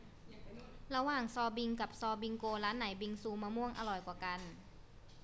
ระหว่างซอลบิงกับซอบิงโกร้านไหนบิงซูมะม่วงอร่อยกว่ากัน